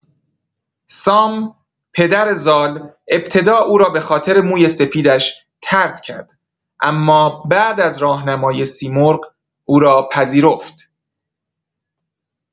سام، پدر زال، ابتدا او را به‌خاطر موی سپیدش طرد کرد اما بعد از راهنمایی سیمرغ او را پذیرفت.